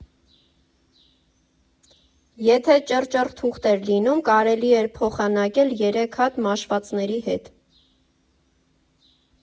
Եթե ճռճռ թուղթ էր լինում, կարելի էր փոխանակել երեք հատ մաշվածների հետ։